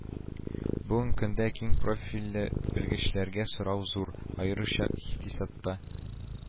Бүгенге көндә киң профильле белгечләргә сорау зур, аеруча икътисадта